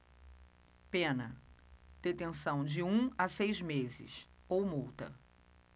pena detenção de um a seis meses ou multa